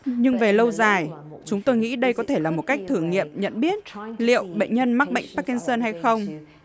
nhưng về lâu dài chúng tôi nghĩ đây có thể là một cách thử nghiệm nhận biết liệu bệnh nhân mắc bệnh pắc kin sưn hay không